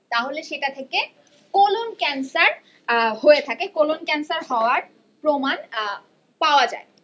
তাহিলে সেটা থেকে colon cancer হয়ে থাকে কোলন ক্যান্সার হওয়ার প্রমান পাওয়া যায়